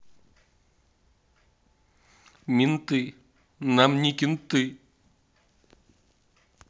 менты нам не кенты